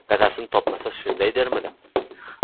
dadasini topmasa shunday dermidi